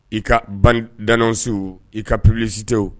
I ka bande d'annonce i ka publicité o